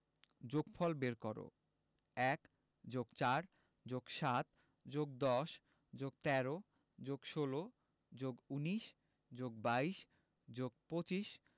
যোগফল বের করঃ ১+৪+৭+১০+১৩+১৬+১৯+২২+২৫